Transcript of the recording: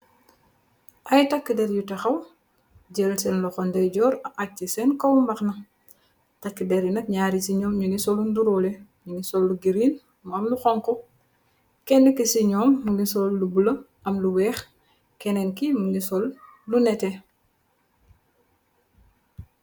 Aiiy takue dehrrre yu takhaw, jel sehn lokhor ndeyjorr ahjj chi sehn kaw mbahanah, takue dehrrre yii nak njaar nji ci njom njungy sol lu nduroh leh, njungy sol lu green mu am lu khonku, kenah kii cii njom mungy sol lu bleu am lu wekh, kenen kii cii njom mungy sol lu nehteh.